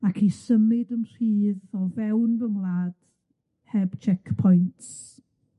ac i symud yn rhydd o fewn fy ngwlad heb checkpoints